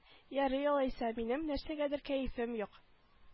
Ярый алайса минем нәрсәгәдер кәефем юк